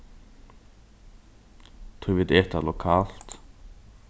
tí vit eta lokalt